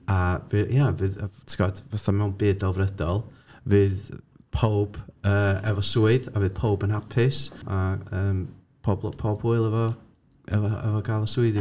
A, fy- ia... fydd, tibod, fatha mewn byd delfrydol, fydd pawb yy efo swydd a fydd pawb yn hapus. A yym pob lw- pob hwyl efo efo efo cael y swyddi.